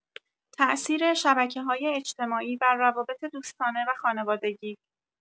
تاثیر شبکه‌های اجتماعی بر روابط دوستانه و خانوادگی